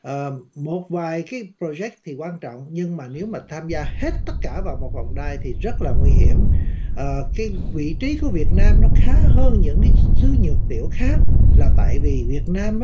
ờ một vài cái pờ rồ dếch thì quan trọng nhưng mà nếu mà tham gia hết tất cả vào một vòng đai thì rất là nguy hiểm ờ cái vị trí của việt nam khá hơn những thứ nhược tiểu khác là tại vì việt nam